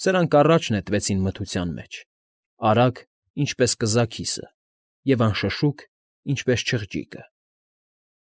Սրանք առաջ նետվեցին մթության մեջ՝ արագ, ինչպես կզաքիսը, և անշշուկ, ինչպես չղջիկը։